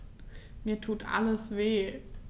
Mir tut alles weh.